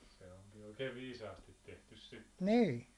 se onkin oikein viisaasti tehty sitten